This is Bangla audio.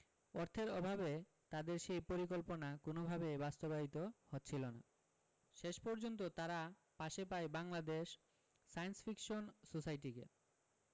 অর্থের অভাবে তাদের সেই পরিকল্পনা কোনওভাবেই বাস্তবায়িত হচ্ছিল না শেষ পর্যন্ত তারা পাশে পায় বাংলাদেশ সায়েন্স ফিকশন সোসাইটিকে